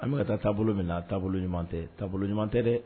An bɛ ka taa taabolo minɛ na taabolo ɲuman tɛ taabolo ɲuman tɛ dɛ